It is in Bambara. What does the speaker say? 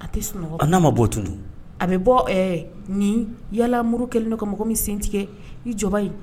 A tɛ sunɔgɔ, a n'a ma bɔ tun don ,a bɛ bɔ, ɛɛ, nin ! yalala muru kɛlen ka mɔgɔ min sen tigɛ ! i jɔ ban ye!